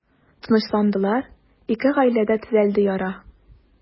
Тынычландылар, ике гаиләдә төзәлде яра.